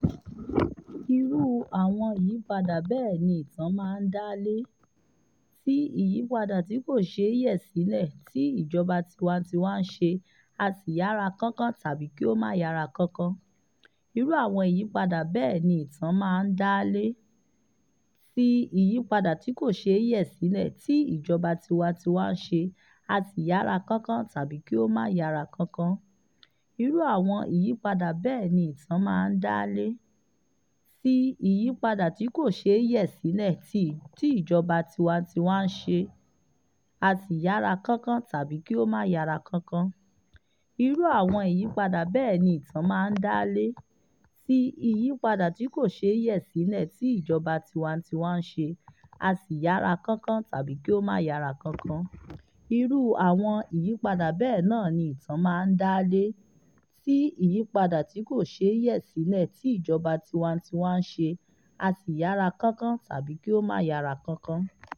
Irú àwọn ìyípadà bẹ́ẹ̀ ni ìtàn máa ń dá lé, tí ìyípadà tí kò ṣeé yẹ̀ sílẹ̀ tí ìjọba tiwa-n-tiwa ń ṣe á sì yára kánkán tàbí kí ó máa yára kánkán.